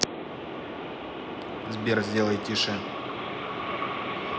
сбер сделай тише